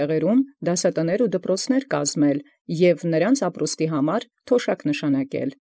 Տեղեաց, դասս դասս դպրոցաց, և ռոճիկս կարգել ի դարմանս։